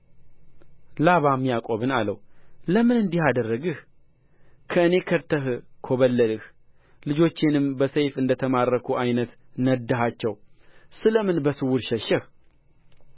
ላባም ያዕቆብን አለው ለምን እንዲህ አደረግህ ከእኔ ከድተህ ኮበለልህ ልጆቼንም በሰይፍ እንደ ተማረኩ ዓይነት ነዳሃቸው ስለምን በስውር ሸሸህ